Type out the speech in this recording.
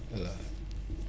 voilà